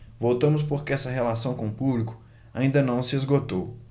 voltamos porque essa relação com o público ainda não se esgotou